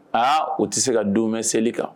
Aa u tɛ se ka don bɛ seli kan